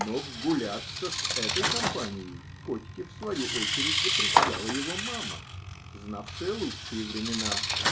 Но "гуляться" с этой компанией Котьке в свою очередь запрещала его мама, знавшая лучшие времена.